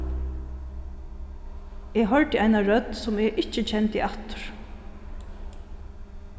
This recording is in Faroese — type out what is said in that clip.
eg hoyrdi eina rødd sum eg ikki kendi aftur